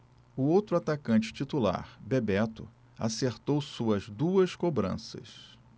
o outro atacante titular bebeto acertou suas duas cobranças